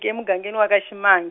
ke mugangeni wa ka Ximang-.